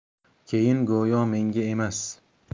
keyin go'yo menga emas